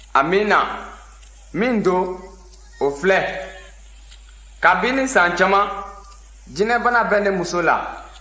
amiina min don o filɛ kabini san caman jinɛbana bɛ ne muso la